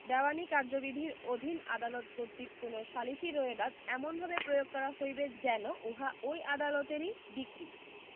দেওয়ানী কার্যাবিধির অধীন আদালত কর্তৃক কোন সালিসী রোয়েদাদ এমনভাবে প্রয়োগ করা হইবে যেন উহা ঐ আদালতেরই ডিক্রি